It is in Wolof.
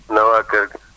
ana waa kër gi